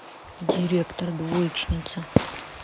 директор двоечница